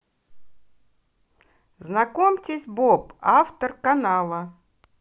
знакомьтесь боб автор канала